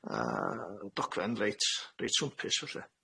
Yy dogfen reit, reit swmpus elly.